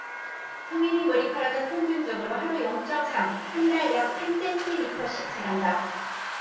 성인의 머리카락은 평균적으로 하루 영 쩜 삼 한 달 약 한 센티미터씩 자란다